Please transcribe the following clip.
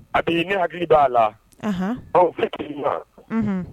A ne hakili b' a la aw fɛ k' i ma